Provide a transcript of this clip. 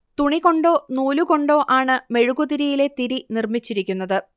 തുണി കൊണ്ടോ നൂലുകൊണ്ടോ ആണ് മെഴുകുതിരിയിലെ തിരി നിർമ്മിച്ചിരിക്കുന്നത്